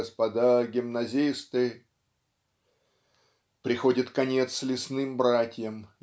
господа гимназисты!" Приходит конец лесным братьям